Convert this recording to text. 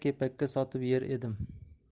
kepakka sotib yer edim